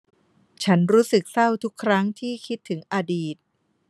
ฉันรู้สึกเศร้าทุกครั้งที่คิดถึงอดีต